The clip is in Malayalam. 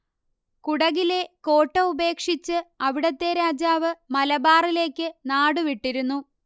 കുടകിലെ കോട്ട ഉപേക്ഷിച്ച് അവിടത്തെ രാജാവ് മലബാറിലേക്ക് നാടുവിട്ടിരുന്നു